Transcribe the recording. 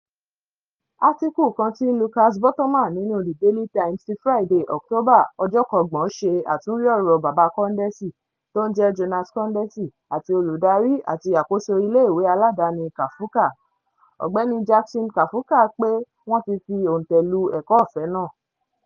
Átíkù kan tí Lucas Bottoman nínu The Daily Times ti Friday October 30th ṣe àtúnwí ọ̀rọ̀ bàba Kondesi, tó ń jẹ́ Jonas Kondesi, àti Olùdarí àti àkóso Iléèwé aládání Kaphuka, Ọ̀gbéni Jackson Kaphuka, pé wọ́n ti fi oǹtẹ̀ lu ẹ̀kọ́ ọ̀fẹ́ nàá.